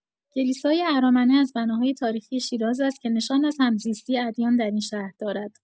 کلیسای ارامنه از بناهای تاریخی شیراز است که نشان از همزیستی ادیان در این شهر دارد.